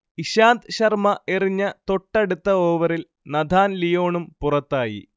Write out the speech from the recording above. ഇശാന്ത് ശർമ എറിഞ്ഞ തൊട്ടടുത്ത ഓവറിൽ നഥാൻ ലിയോണും പുറത്തായി